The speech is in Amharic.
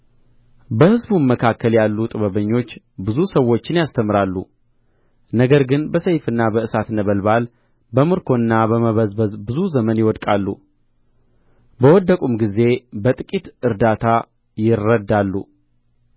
በሕዝቡም መካከል ያሉ ጥበበኞች ብዙ ሰዎችን ያስተምራሉ ነገር ግን በሰይፍና በእሳት ነበልባል በምርኮና በመበዝበዝ ብዙ ዘመን ይወድቃሉ በወደቁም ጊዜ በጥቂት እርዳታ ይረዳሉ